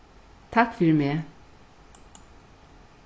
takk fyri meg